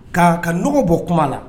'a ka dɔgɔ bɔ kuma na